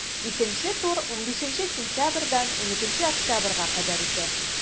Икенче тур 15 сентябрьдән 12 октябрьгә кадәр үтә.